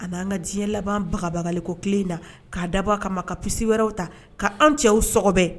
A'an ka diɲɛ labanbagabagako kelen in na k'a dabɔ kama ka psi wɛrɛw ta kaan cɛw sbɛ